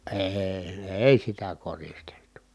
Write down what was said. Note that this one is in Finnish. ei ei sitä koristeltu